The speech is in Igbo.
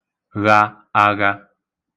gha agha